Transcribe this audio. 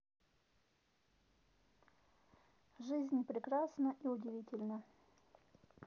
жизнь прекрасна и удивительна